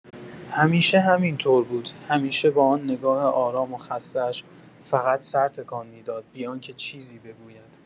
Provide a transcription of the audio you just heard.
همیشه همین‌طور بود، همیشه با آن نگاه آرام و خسته‌اش فقط سر تکان می‌داد، بی‌آنکه چیزی بگوید.